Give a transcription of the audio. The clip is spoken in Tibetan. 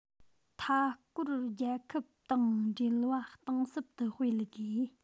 མཐའ སྐོར རྒྱལ ཁབ དང འབྲེལ བ གཏིང ཟབ ཏུ སྤེལ དགོས